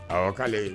Awɔ k'ale